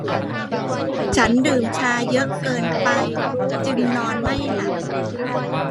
ฉันดื่มชาเยอะเกินไปจึงนอนไม่หลับ